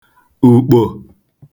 ùkpò